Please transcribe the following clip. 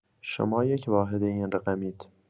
شما یک واحد این رقم‌اید.